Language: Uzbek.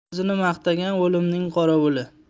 o'zini maqtagan o'limning qorovuli